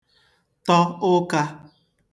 tọ ụkā